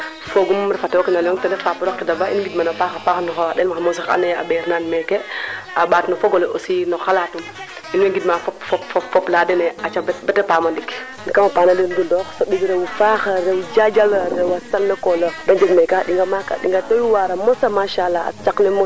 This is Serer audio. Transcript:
refo xe adwan na manaam a ɗingale i nga tamit a andax refo ka felna coono yo parce que ku garna tokofa dalka ku yaquna aussi wo ref jin fe xan ta ɗom lool tokof nam ando ye ne ando naye naga o ñoow ta manam cono fene fop